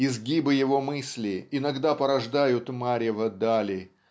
изгибы его мысли иногда порождают марево дали